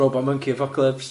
Robot monkey apocalypse.